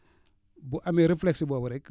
bu amee réflex boobu rek